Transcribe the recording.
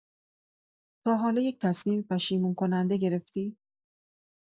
تا حالا یه تصمیم پشیمون‌کننده گرفتی؟